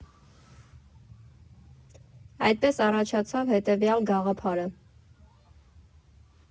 Այդպես առաջացավ հետևյալ գաղափարը.